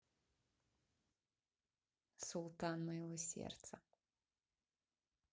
султан моего сердца